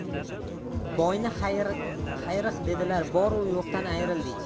boyni xayrh dedilar bor u yo'qdan ayrildik